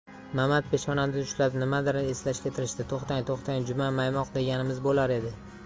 mamat peshonasini ushlab nimanidir eslashga tirishdi to'xtang to'xtang juman maymoq deganimiz bo'lar edi